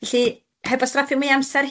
Felly, heb wastraffu, mwy o amser...